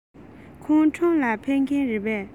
ཁོང ཁྲོམ ལ ཕེབས མཁན རེད པས